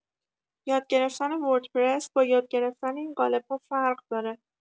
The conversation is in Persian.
یاد گرفتن وردپرس با یاد گرفتن این قالب‌ها فرق داره.